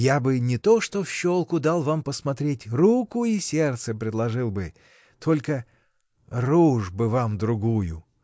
Я бы — не то что в щелку дал вам посмотреть, руку и сердце предложил бы — только. рожу бы вам другую!.